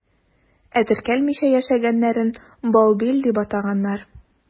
Ә теркәлмичә яшәгәннәрен «баубил» дип атаганнар.